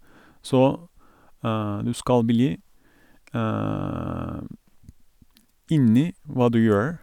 Så du skal bli inni hva du gjør.